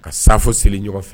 Ka safo seli ɲɔgɔn fɛ